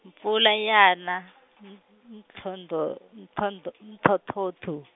mpfula ya na, m- mthondo- mthondo- mthothothoo.